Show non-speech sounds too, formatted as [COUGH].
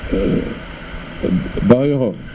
[HESITATION] [NOISE] kon Bakhayokho